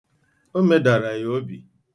O medara ya obi.